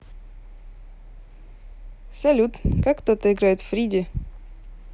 салют как кто то играет в freddie